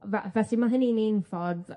Fe- felly ma hynny'n un ffordd.